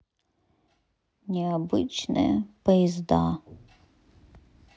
необычные поезда